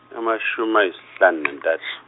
amashumi ayisihlanu nantathu.